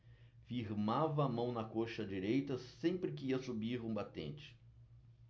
firmava a mão na coxa direita sempre que ia subir um batente